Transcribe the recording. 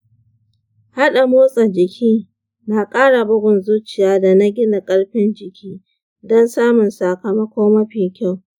haɗa motsa jiki na ƙara bugun zuciya da na gina ƙarfin jiki don samun sakamako mafi kyau.